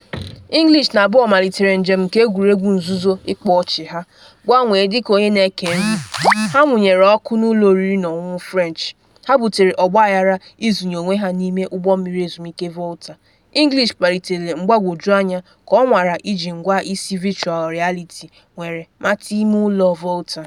English na Bough malitere njem nke egwuregwu nzuzu ịkpa ọchị ha: gbanwee dịka onye na-eke nri, ha mụnyere ọkụ n’ụlọ oriri na ọṅụṅụ French; ha butere ọgbaghara izunye onwe ha n’ime ụgbọ mmiri ezumike Volta; English kpalitere mgbagwoju anya ka ọ nwara iji ngwa isi Virtual Reality nwere mata ime ụlọ Volta.